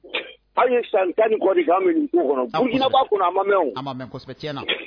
Aw ye san tan ni jinaba kun a ma mɛ a mɛsɛbɛɲɛna